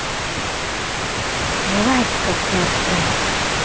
лайк какашка